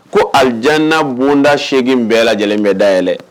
Ko aljaana bonda 8 bɛɛ lajɛlen bɛ dayɛlɛ